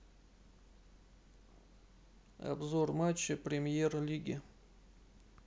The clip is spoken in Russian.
обзор матча премьер лиги